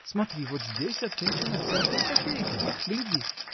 Смотри, вот здесь отмечена всякая копейка. Гляди.